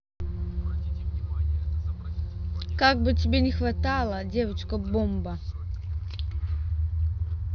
как бы тебе не хватало девочка бомба